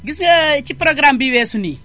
gis nga ci programme bi weesu nii